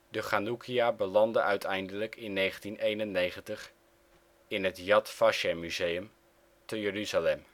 De chanoekia belandde uiteindelijk in 1991 in het Jad Wasjem-museum te Jeruzalem